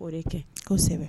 O de kɛ aw kosɛbɛ